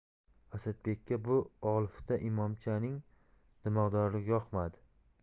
asadbekka bu olifta imomcha ning dimog'dorligi yoqmadi